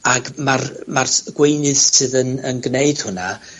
Ag ma'r ma'r s- gweinydd sydd yn yn gneud hwnna